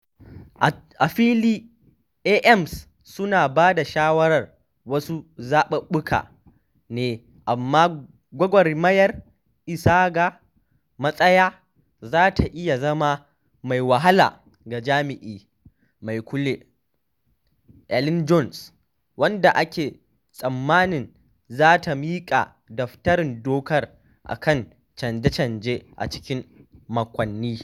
A fili AMs suna ba da shawarar wasu zaɓuɓɓuka ne, amma gwagwarmayar isa ga matsaya za ta iya zama mai wahala ga Jami’i Mai Kula, Elin Jones, wanda ake tsammanin za ta miƙa daftarin dokar a kan canje-canje a cikin makonni.